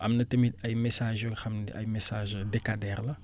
am na tamit ay messages yoo xam ne ay messages decadaires la